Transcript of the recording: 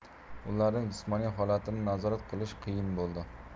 ularning jismoniy holatini nazorat qilish qiyin bo'ldi